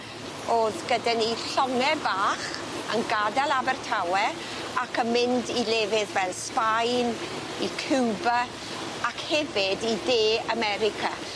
O'dd gyda ni llonge bach yn gad'el Abertawe ac yn mynd i lefydd fel Sbaen i Cuba ac hefyd i de America